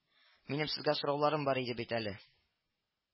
Минем Сезгә сорауларым бар иде бит әле